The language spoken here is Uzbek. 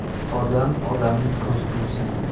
odam odamning ko'zgusi